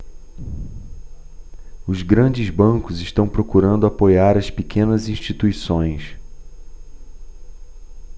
os grandes bancos estão procurando apoiar as pequenas instituições